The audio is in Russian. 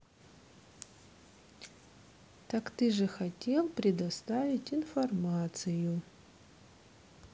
так ты же хотел предоставить информацию